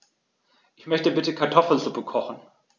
Ich möchte bitte Kartoffelsuppe kochen.